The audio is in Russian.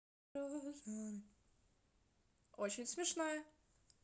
очень смешное